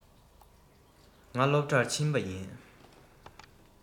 ང སློབ གྲྭར ཕྱིན པ ཡིན